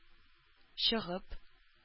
Чыгып